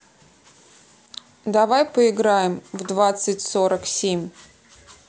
давай поиграем в двадцать сорок семь